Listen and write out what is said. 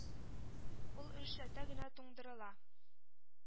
Ул өлешләтә генә туңдырыла